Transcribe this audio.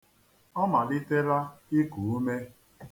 Ọ malitela iku ume.